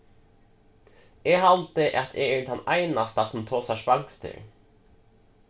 eg haldi at eg eri tann einasta sum tosar spanskt her